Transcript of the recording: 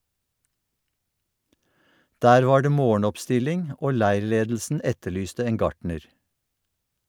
Der var det morgenoppstilling, og leirledelsen etterlyste en gartner.